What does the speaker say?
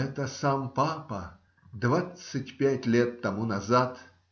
Это сам папа двадцать пять лет тому назад.